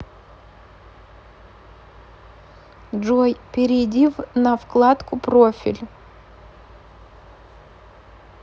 джой перейди в на вкладку профиль